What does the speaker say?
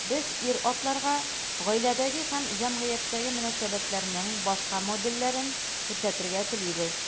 Без ир-атларга гаиләдәге һәм җәмгыятьтәге мөнәсәбәтләрнең башка модельләрен күрсәтергә телибез.